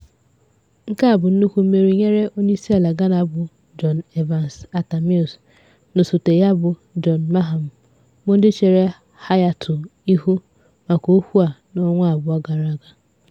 Nke a bụ nnukwu mmeri nyere onyeisiala Ghana bụ John Evans Atta Mills na osote ya bụ John Mahama bụ ndị chere Hayatou ihu maka okwu a n'ọnwa abụọ gara aga.